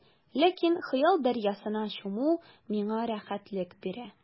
Ләкин хыял дәрьясына чуму миңа рәхәтлек бирә.